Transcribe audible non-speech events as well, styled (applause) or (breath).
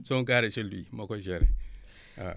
sont garés chez lui moo koy géré (breath) waa